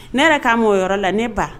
Ne yɛrɛ ka' mo yɔrɔ la ne ba